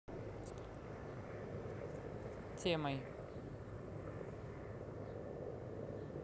темой